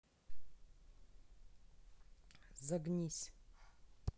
загнись